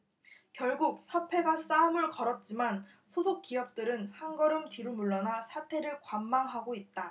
결국 협회가 싸움을 걸었지만 소속기업들은 한걸음 뒤로 물러나 사태를 관망하고 있다